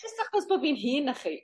Jyst achos bo' fi'n hŷn na chi.